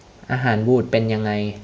อาหารบูดเป็นยังไง